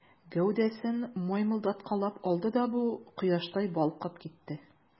Гәүдәсен мыймылдаткалап алды да бу, кояштай балкып китте.